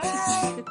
T'ra.